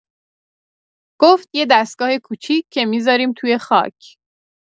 گفت: «یه دستگاه کوچیک که می‌ذاریم توی خاک.»